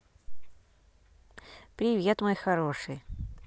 привет мой хороший